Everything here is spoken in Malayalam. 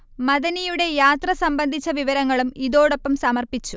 മഅ്ദനിയുടെ യാത്ര സംബന്ധിച്ച വിവരങ്ങളും ഇതോടൊപ്പം സമർപ്പിച്ചു